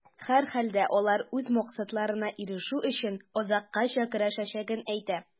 Һәрхәлдә, алар үз максатларына ирешү өчен, азаккача көрәшәчәген әйтә.